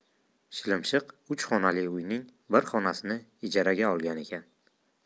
shilimshiq uch xonali uyning bir xonasini ijaraga olgan ekan